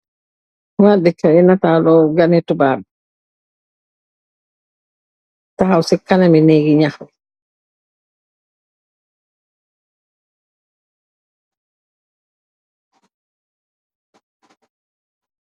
Wa dekka bi di nitalyu ak ganni tubab taxaw ci kanami nèk gi ñak bi.